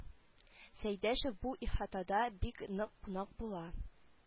Сәйдәшев бу ихатада бик нык кунак була